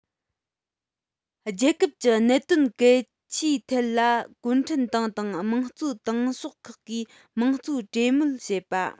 རྒྱལ ཁབ ཀྱི གནད དོན གལ ཆེའི ཐད ལ གུང ཁྲན ཏང དང དམངས གཙོའི ཏང ཤོག ཁག གིས དམངས གཙོས གྲོས མོལ བྱེད པ